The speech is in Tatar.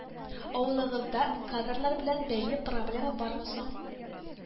Авылыгызда кадрлар белән бәйле проблема бармы соң